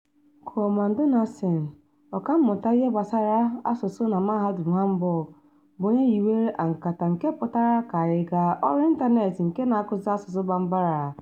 Coleman Donaldson, ọkàmmụta ihe gbasara asụsụ na Mahadum Hamburg bụ onye hiwere An ka taa ("ka anyị gaa") ọrụ ịntaneetị nke na-akụzi asụsụ Bambara.